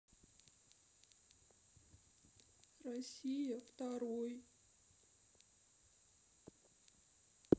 россия второй